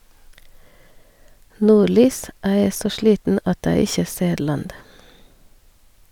Nordlys, æ e så sliten at æ ikkje ser land.